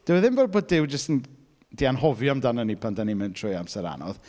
Dyw e ddim fel bod Duw jyst yn... 'di anghofio amdano ni pan dan ni'n mynd trwy amser anodd.